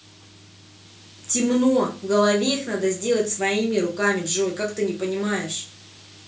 темно в голове их надо сделать своими руками джой как ты не понимаешь